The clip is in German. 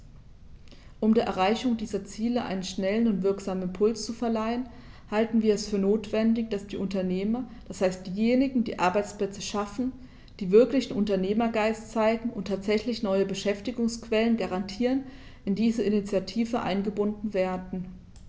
Um der Erreichung dieser Ziele einen schnellen und wirksamen Impuls zu verleihen, halten wir es für notwendig, dass die Unternehmer, das heißt diejenigen, die Arbeitsplätze schaffen, die wirklichen Unternehmergeist zeigen und tatsächlich neue Beschäftigungsquellen garantieren, in diese Initiative eingebunden werden.